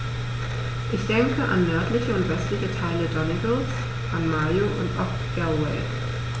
Ich denke an nördliche und westliche Teile Donegals, an Mayo, und auch Galway.